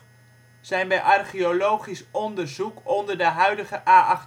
zijn bij archeologisch onderzoek onder de huidige A28